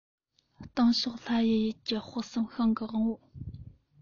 སྟེང ཕྱོགས ལྷ ཡི ཡུལ གྱི དཔག བསམ ཤིང གི དབང པོ